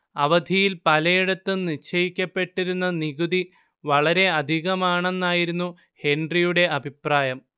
അവധിയിൽ പലയിടത്തും നിശ്ചയിക്കപ്പെട്ടിരുന്ന നികുതി വളരെ അധികമാണെന്നായിരുന്നു ഹെൻറിയുടെ അഭിപ്രായം